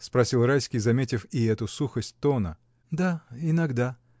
— спросил Райский, заметив и эту сухость тона. — Да. иногда.